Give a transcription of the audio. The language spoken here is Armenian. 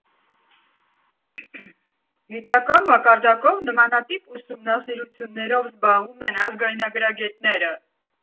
Գիտական մակարդակում նմանատիպ ուսումնասիրություններով զբաղվում են ազգագրագետները։